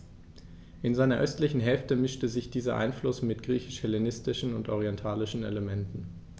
In seiner östlichen Hälfte mischte sich dieser Einfluss mit griechisch-hellenistischen und orientalischen Elementen.